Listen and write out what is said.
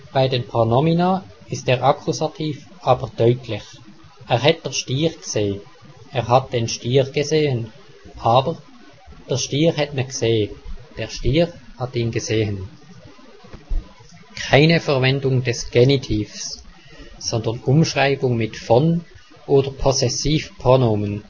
Bei den Pronomina ist der Akkusativ aber deutlich: Er het dr Stier gsee (Er hat den Stier gesehen) aber: Dr Stier het ne gsee (Der Stier hat ihn gesehen). keine Verwendung des Genitivs, sondern Umschreibung mit " von " oder Possessivpronomen